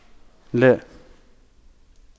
لا